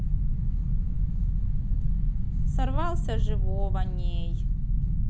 сорвался живого ней